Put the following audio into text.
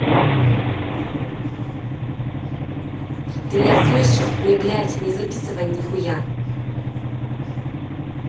ты меня слышал не блядь не записывай нихуя